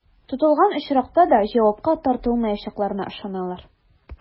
Тотылган очракта да җавапка тартылмаячакларына ышаналар.